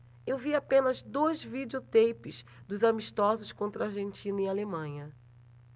eu vi apenas dois videoteipes dos amistosos contra argentina e alemanha